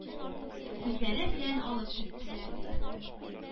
Үзләре белән алып киттеләр, ди,